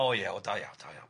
O ie wel da iawn, da iawn.